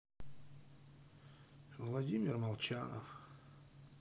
владимир молчанов